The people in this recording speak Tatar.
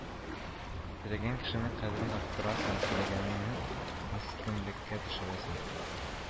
Теләгән кешеңнең кадерен арттырасың, теләгәнеңне мескенлеккә төшерәсең